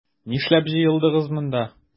Нишләп җыелдыгыз монда?